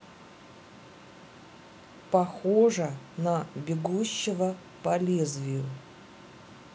похожа на бегущего по лезвию